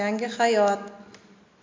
yangi hayot